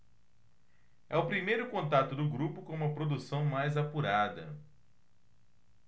é o primeiro contato do grupo com uma produção mais apurada